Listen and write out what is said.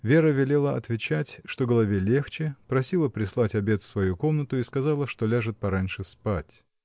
Вера велела отвечать, что голове легче, просила прислать обед в свою комнату и сказала, что ляжет пораньше спать.